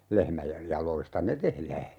lehmien jaloista ne tehdään